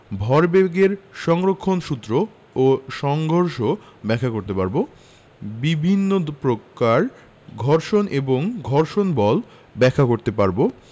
ভরবেগের সংরক্ষণ সূত্র ও সংঘর্ষ ব্যাখ্যা করতে পারব বিভিন্ন প্রকার ঘর্ষণ এবং ঘর্ষণ বল ব্যাখ্যা করতে পারব